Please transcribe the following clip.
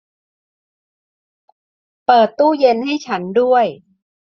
เปิดตู้เย็นให้ฉันด้วย